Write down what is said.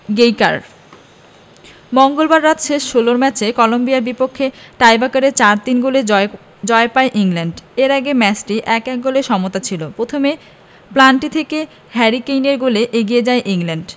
Geiger মঙ্গলবার রাতে শেষ ষোলোর ম্যাচে কলম্বিয়ার বিপক্ষে টাইব্রেকারে ৪ ৩ গোলে জয় পায় ইংল্যান্ড এর আগে ম্যাচটি ১ ১ গোলে সমতা ছিল প্রথমে পেনাল্টি থেকে হ্যারি কেইনের গোলে এগিয়ে যায় ইংল্যান্ড